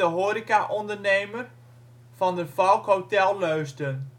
horecaondernemer: Van der Valk Hotel Leusden